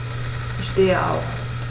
Ich stehe auf.